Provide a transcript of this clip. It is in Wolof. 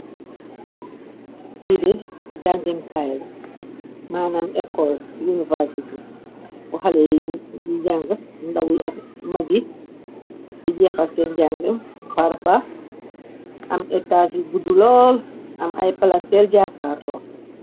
Fii de jàngeekaay la manam ecol university buxale di jàng ndawuy ak magi di jeexal seen jàng xarba am ekaas yu buddu lool am ay palanteer jaakaar loo.